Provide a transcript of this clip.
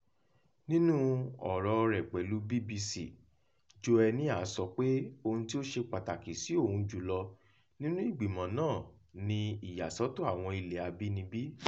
Nínú ọ̀rọ̀ọ rẹ̀ pẹ̀lú BBC, Joenia sọ pé ohun tí ó ṣe pàtàkì sí òun jùlọ nínú ìgbìmọ̀ náà ni ìyàsọ́tọ̀ àwọn ilẹ̀ abínibí: